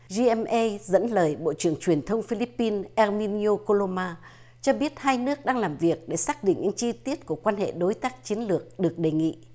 di em ây dẫn lời bộ trưởng truyền thông phi líp pin eo min nhiêu cô lô ma cho biết hai nước đang làm việc để xác định những chi tiết của quan hệ đối tác chiến lược được đề nghị